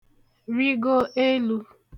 rịgo elū